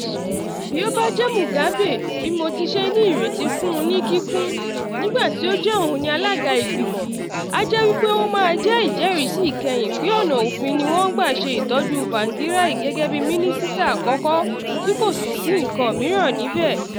Bí ó bá jẹ́ Mugabe, bí mo ti ṣe ní ìrètí fún ní kíkún, nígbà tí ó jẹ́ òun ni alága ìgbìmọ̀, á jẹ́ wí pé ó máa jẹ́ ìjẹ́rísí ìkẹyìn pé ọ̀nà òfin ni wọ́n ń gbà ṣe ìtọ́jú Tsavangirai gẹ́gẹ́ bí Mínísítà àkọ́kọ́ tí kò sì sí nǹkan mìíràn níbẹ̀.